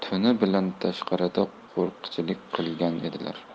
tuni bilan tashqarida qo'riqchilik qilgan edilar